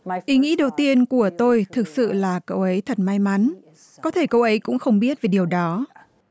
ý nghĩ đầu tiên của tôi thực sự là cậu ấy thật may mắn có thể cậu ấy cũng không biết về điều đó